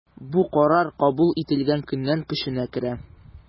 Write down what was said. Бу карар кабул ителгән көннән көченә керә.